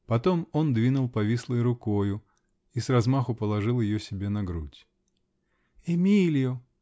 Потом он двинул повислой рукою -- и с размаху положил ее себе на грудь. -- Эмилио!